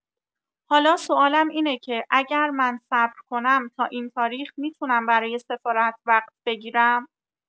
حالا سوالم اینه که اگر من صبر کنم تا این تاریخ می‌تونم برای سفارت وقت بگیرم؟